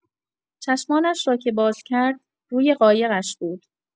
چشمانش را که باز کرد، روی قایقش بود.